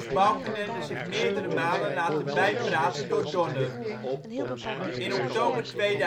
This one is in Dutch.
Balkenende zich meerdere malen laten souffleren door Piet-Hein Donner. In oktober 2002, 87 dagen